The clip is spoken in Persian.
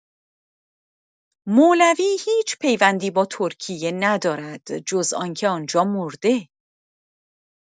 مولوی هیچ پیوندی با ترکیه ندارد جز آنکه آنجا مرده.